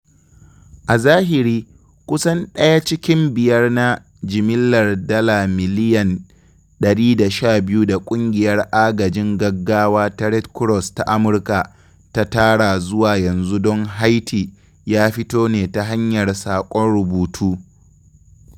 A zahiri, kusan ɗaya cikin biyar na jimillar dala miliyan $112 da Ƙungiyar Agajin Gaggawa ta Red Cross ta Amurka ta tara zuwa yanzu don Haiti ya fito ne ta hanyar saƙon rubutu.